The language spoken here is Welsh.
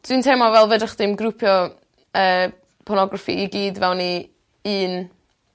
Dwi'n teimlo fel fedrwch chdi'm grwpio yy pornograffi i gyd fewn i un